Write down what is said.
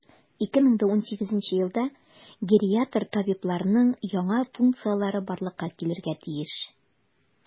2018 елда гериатр табибларның яңа функцияләре барлыкка килергә тиеш.